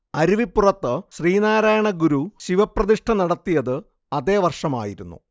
അരുവിപ്പുറത്തു ശ്രീനാരായണഗുരു ശിവപ്രതിഷ്ഠ നടത്തിയത് അതേ വർഷമായിരുന്നു